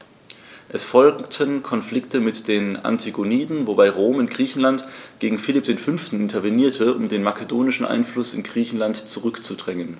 Es folgten Konflikte mit den Antigoniden, wobei Rom in Griechenland gegen Philipp V. intervenierte, um den makedonischen Einfluss in Griechenland zurückzudrängen.